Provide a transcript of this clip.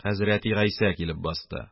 Хәзрәте гыйса килеп басты.